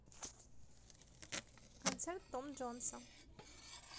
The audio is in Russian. концерт том джонса